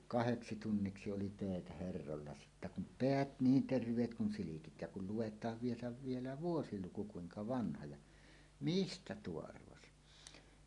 kahdeksi tunniksi oli töitä herroilla sitten kun päät niin terveet kun silkit ja kun luetaan vielä vielä vuosiluku kuinka vanha ja mistä tuo arvasi